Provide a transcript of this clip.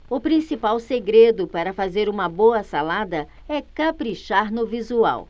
o principal segredo para fazer uma boa salada é caprichar no visual